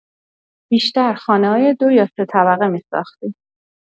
بیشتر خانه‌های دو یا سه‌طبقه می‌ساختیم.